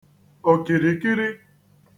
òkìrìkiri